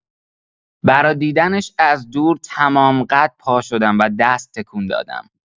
برا دیدنش از دور، تمام‌قد پاشدم و دست تکون دادم.